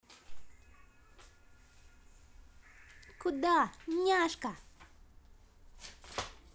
куда няшка